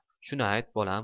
shuni ayt bolam